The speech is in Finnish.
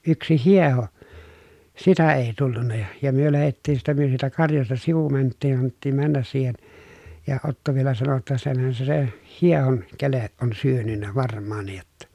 yksi hieho sitä ei tullut ja ja me lähdettiin siitä me siitä karjasta sivu mentiin annettiin mennä siihen ja Otto vielä sanoi jotta senhän se se hiehon kele on syönyt varmaankin jotta